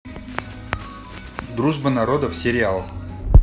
дружба народов сериал